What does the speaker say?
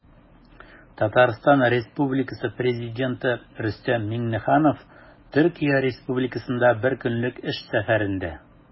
Бүген Татарстан Республикасы Президенты Рөстәм Миңнеханов Төркия Республикасында бер көнлек эш сәфәрендә.